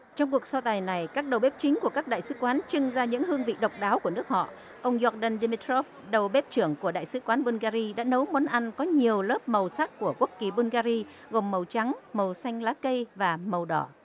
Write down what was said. trong cuộc so tài này các đầu bếp chính của các đại sứ quán trưng ra những hương vị độc đáo của nước họ ông dóc đân đi mi tróp đầu bếp trưởng của đại sứ quán bun ga ri đã nấu món ăn có nhiều lớp màu sắc của quốc kỳ bun ga ri gồm màu trắng màu xanh lá cây và màu đỏ